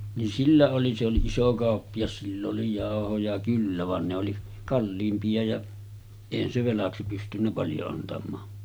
niin sillä oli se oli iso kauppias sillä oli jauhoja kyllä vaan ne oli kalliimpia ja eihän se velaksi pystynyt paljon antamaan